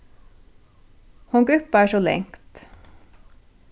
hon gúppar so langt